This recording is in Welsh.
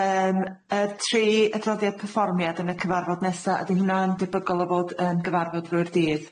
Yym yy tri adroddiad perfformiad yn y cyfarfod nesa ydy hwnna'n debygol o fod yn gyfarfod drwy'r dydd?